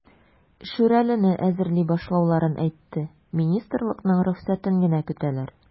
"шүрәле"не әзерли башлауларын әйтте, министрлыкның рөхсәтен генә көтәләр.